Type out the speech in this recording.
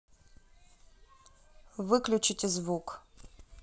выключите звук